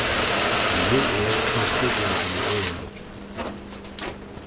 sum nú er er trupulleikin í øðrum oyggjum